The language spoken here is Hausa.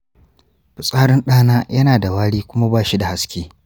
fitsarin ɗana yana da wari kuma ba shi da haske.